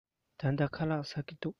ད ལྟ ཁ ལག ཟ གི འདུག